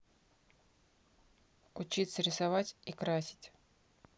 учиться рисовать и красить